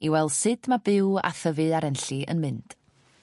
i weld sud ma' byw a thyfu ar Enlli yn mynd.